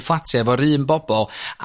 ffatia' efo'r un bobol